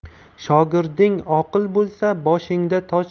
shogirding oqil bo'lsa boshingda toj